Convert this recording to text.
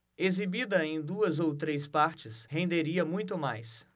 exibida em duas ou três partes renderia muito mais